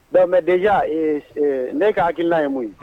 Maisden ne ka hakilikila ye mun